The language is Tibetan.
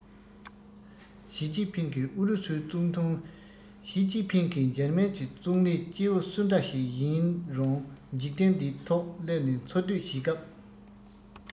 ཞི ཅིན ཕིང གིས ཨུ རུ སུའི ཙུང ཐུང ཞི ཅིན ཕིང གིས འཇར མན གྱི ཙུང ལི སྐྱེ བོ སུ འདྲ ཞིག ཡིན རུང འཇིག རྟེན འདིའི ཐོག སླེབས ནས འཚོ སྡོད བྱེད སྐབས